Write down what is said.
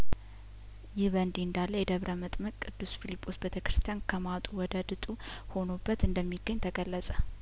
ይህ በእንዲህ እንዳለ የደብረ ምጥምቅ ቅዱስ ፊልጶስ ቤተክርስቲያን ከማጡ ወደ ድጡ ሆኖበት እንደሚገኝ ተገለጸ